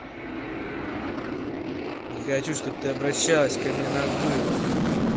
я хочу чтобы ты обращалась ко мне на вы